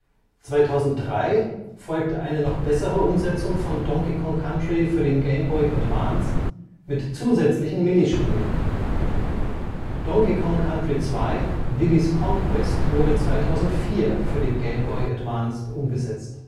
2003 folgte eine noch bessere Umsetzung von Donkey Kong Country für den Game-Boy-Advance mit zusätzlichen Minispielen. Donkey Kong Country 2: Diddy 's Kong Quest wurde 2004 für den GBA umgesetzt